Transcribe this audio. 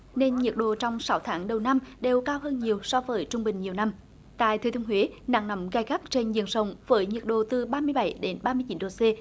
nên nhiệt độ trong sáu tháng đầu năm đều cao hơn nhiều so với trung bình nhiều năm tại thừa thiên huế nắng nóng gay gắt trên diện rộng với nhiệt độ từ ba mươi bảy đến ba mươi chín độ xê